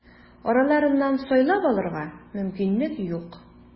Араларыннан сайлап алырга мөмкинлек юк.